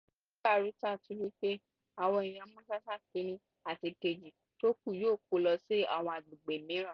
Nibaruta tún wí pé àwọn èèyàn Mushasha I àti II tó kù yóò kó lọ sí àwọn agbègbè mìíràn.